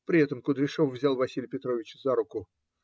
при этом Кудряшов взял Василия Петровича за руку,